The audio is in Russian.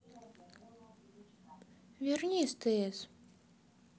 верни стс